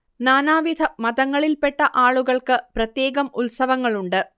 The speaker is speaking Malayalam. നാനാവിധ മതങ്ങളിൽപെട്ട ആളുകൾക്ക് പ്രത്യേകം ഉത്സവങ്ങളുണ്ട്